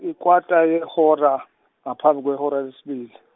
yikwata yehora, ngaphambi kwehora lesibili.